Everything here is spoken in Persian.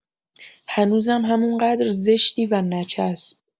هنوزم همون قدر زشتی و نچسب.